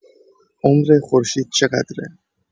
عمر خورشید چقدره؟